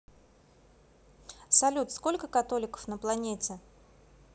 салют сколько католиков на планете